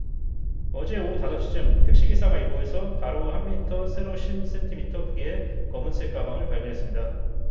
어제 오후 다섯 시쯤 택시기사가 이곳에서 가로 한 미터 세로 쉰 센티미터 크기의 검은색 가방을 발견했습니다